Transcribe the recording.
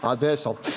nei det er sant.